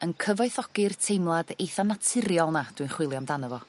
yn cyfoethogi'r teimlad eitha naturiol 'na dwi'n chwilio amdano fo.